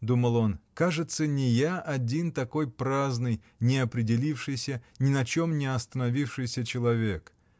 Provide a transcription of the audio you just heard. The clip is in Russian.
— думал он, — кажется, не я один такой праздный, не определившийся, ни на чем не остановившийся человек.